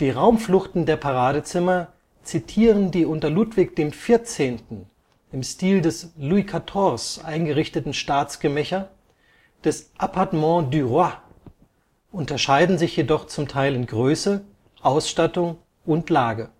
Raumfluchten der Paradezimmer zitieren die unter Ludwig XIV. im Stil des Louis-quatorze eingerichteten Staatsgemächer, des Appartement du Roi, unterscheiden sich jedoch zum Teil in Größe, Ausstattung und Lage